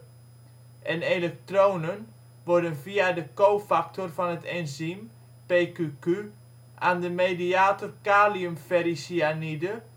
en elektronen worden via de cofactor van het enzym (PQQ) aan de mediator kaliumferricyanide